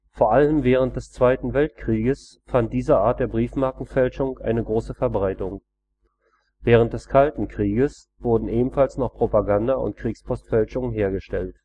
Vor allem während des Zweiten Weltkrieges fand diese Art der Briefmarkenfälschung eine große Verbreitung. Während des Kalten Krieges wurden ebenfalls noch Propaganda - und Kriegspostfälschungen hergestellt